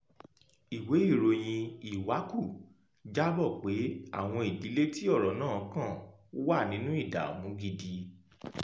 Ìwé ìròyìn iwacu jábọ̀ pé àwọn ìdílé tí ọ̀rọ̀ náà kàn wà nínú ìdààmú gidi.